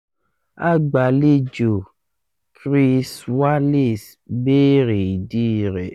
Agbàlejò, Chris Wallace bèèrè ìdí rẹ̀